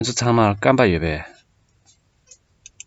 ཁྱེད ཚོ ཚང མར སྐམ པ ཡོད པས